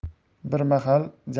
bir mahal jamila